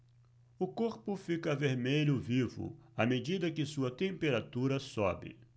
o corpo fica vermelho vivo à medida que sua temperatura sobe